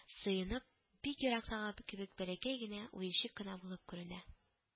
Сыенып бик ерактагы кебек бәләкәй генә, уенчык кына булып күренә